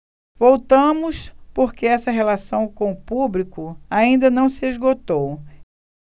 voltamos porque essa relação com o público ainda não se esgotou